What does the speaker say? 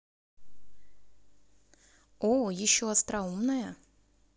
о еще остроумная